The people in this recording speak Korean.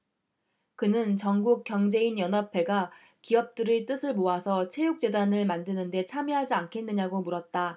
그는 전국경제인연합회가 기업들의 뜻을 모아서 체육재단을 만드는 데 참여하지 않겠느냐고 물었다